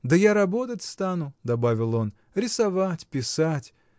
Да я работать стану, — добавил он, — рисовать, писать.